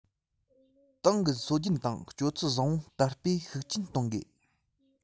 ཏང གི སྲོལ རྒྱུན དང སྤྱོད ཚུལ བཟང པོ དར སྤེལ ཤུགས ཆེན གཏོང དགོས